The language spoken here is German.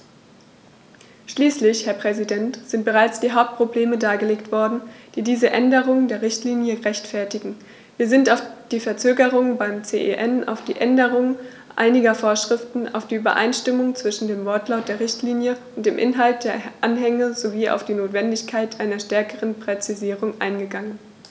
Schließlich, Herr Präsident, sind bereits die Hauptprobleme dargelegt worden, die diese Änderung der Richtlinie rechtfertigen, wir sind auf die Verzögerung beim CEN, auf die Änderung einiger Vorschriften, auf die Übereinstimmung zwischen dem Wortlaut der Richtlinie und dem Inhalt der Anhänge sowie auf die Notwendigkeit einer stärkeren Präzisierung eingegangen.